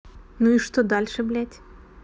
ну и что дальше блядь